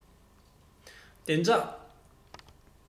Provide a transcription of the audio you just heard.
བདེ འཇགས